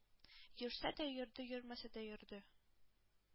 Йөрсә дә йөрде, йөрмәсә дә йөрде,